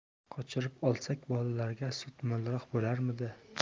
qochirib olsak bolalarga sut mo'lroq bo'larmidi